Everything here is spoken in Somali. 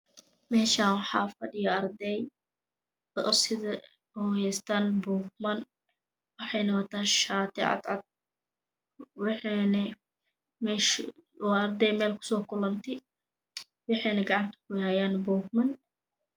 Meeshaan waxaa fadhiya araday. Oo haystaan "buugman" waa buugaag. Waxayna wadaan shaati cadcad. Waxayna meesha. waa arday meesha ku soo kulantay. Waxayna gacanta ku hayaan "buugman" ma ahan ee waa buugaag.